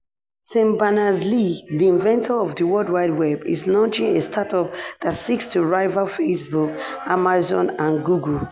Tim Berners-Lee, the inventor of the World Wide Web, is launching a startup that seeks to rival Facebook, Amazon and Google.